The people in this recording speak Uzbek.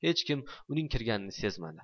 hech kim uning kirganini sezmadi